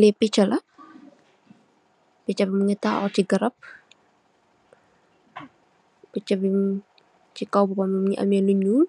Lii picca la, picca bi mingi taxaw si garab, picca bi si kaw boppam bi mingi am lu nyuul,